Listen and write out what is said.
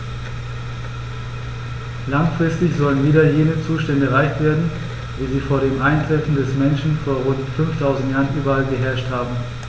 Langfristig sollen wieder jene Zustände erreicht werden, wie sie vor dem Eintreffen des Menschen vor rund 5000 Jahren überall geherrscht haben.